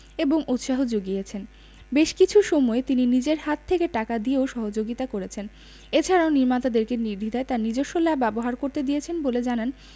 এবং উৎসাহ যুগিয়েছেন বেশ কিছু সময়ে তিনি নিজের হাত থেকে টাকা দিয়েও সহযোগিতা করেছেন এছাড়াও নির্মাতাদেরকে নির্দ্বিধায় তার নিজস্ব ল্যাব ব্যবহার করতে দিয়েছেন বলে জানান